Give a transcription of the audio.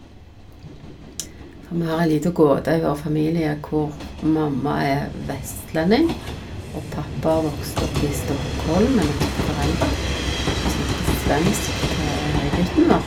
For vi har ei lita gåte i vår familie, hvor f mamma er vestlending, og pappa har vokst opp i Stockholm med norske foreldre og snakker svensk til gutten vår.